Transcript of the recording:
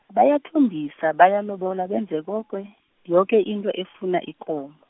bayathombisa, bayalobola, benza koke, yoke into efuna ikomo.